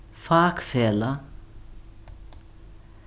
fakfelag